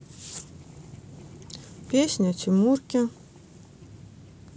песня тимурке